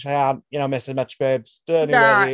Cheyanne, you're not missing much babes, don't you... Na!... worry.